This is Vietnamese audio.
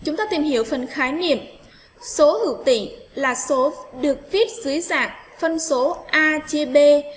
chúng ta tìm hiểu phần khái niệm số hữu tỉ là số được viết dưới dạng phân số a chia b